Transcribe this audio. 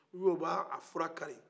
walima u b'a fura kari